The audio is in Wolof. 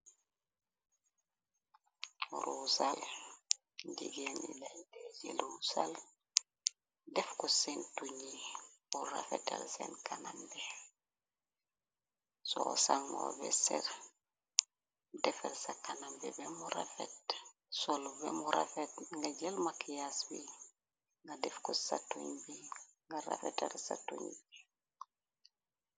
Ru sal, jigeeni layte jëlu sal, def ku seen tuñi, bu rafetel seen kanambi, soo sanoo bi ser, defal sa kanambi bemu rafet, solu bemu rafet, nga jël makyaas bi de atñ b, nga rafetel sa tuñ bi.